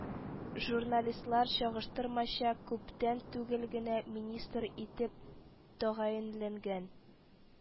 Журналистлар чагыштырмача күптән түгел генә министр итеп тәгаенләнгән